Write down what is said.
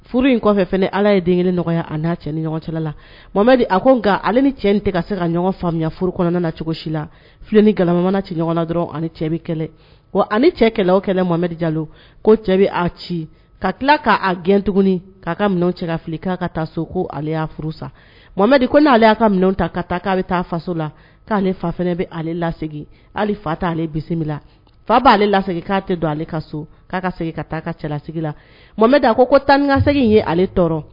Furu in kɔfɛ ala ye den nɔgɔya a'a cɛ ni ɲɔgɔn cɛla la a nka ale ni cɛ tɛ ka se ka ɲɔgɔn faamuyaya furu kɔnɔna na cogo si la fi ni gamamana ci ɲɔgɔn dɔrɔn ani cɛ kɛlɛ ale cɛ kɛlɛ kɛlɛ mama jalo ko cɛ bɛ a ci ka tila k'a gɛn tugun k'a ka minɛn cɛ fili k'a ka taa so ko ale' furu sa mama ko n'ale y'a ka minɛn ta ka taa k' a bɛ taa faso la k'ale fa bɛ lase hali fa'ale bisimila fa b'ale la lase k'a tɛ don ale ka so k'a ka segin ka taa cɛlasigi la mama a ko tan nisɛgin ye ale tɔɔrɔ